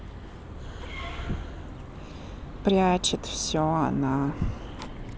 прячет все она